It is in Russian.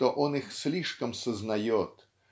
что он их слишком сознает